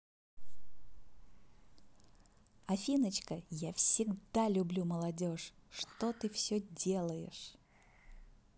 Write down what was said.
афиночка я всегда люблю молодежь что ты все делаешь